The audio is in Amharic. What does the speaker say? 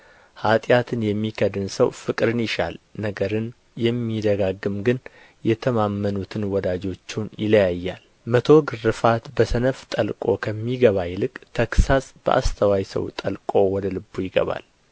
ኃጢአትን የሚከድን ሰው ፍቅርን ይሻል ነገርን የሚደጋግም ግን የተማመኑትን ወዳጆቹን ይለያያል መቶ ግርፋት በሰነፍ ጠልቆ ከሚገባ ይልቅ ተግሣጽ በአስተዋይ ሰው ጠልቆ ወደ ልቡ ይገባል